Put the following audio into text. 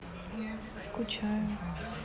скучаю